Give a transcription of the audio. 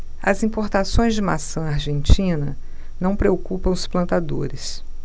as importações de maçã argentina não preocupam os plantadores